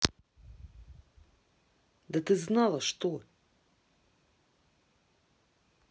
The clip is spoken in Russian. да ты знала что